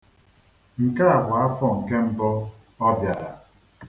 Nke a bụ afọ nke mbụ ọ bịara.